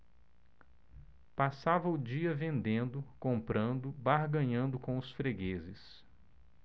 passava o dia vendendo comprando barganhando com os fregueses